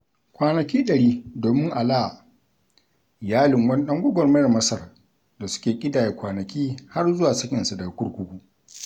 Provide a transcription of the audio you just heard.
Kwanaki 100 domin Alaa: Iyalin wani ɗan gwagwarmayar Masar da suke ƙidaya kwanaki har zuwa sakinsa daga kurkuku.